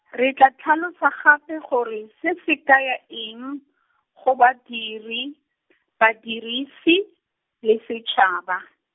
re tla tlhalosa gape gore, se se kaya eng, go badiri, badirisi, le setšhaba.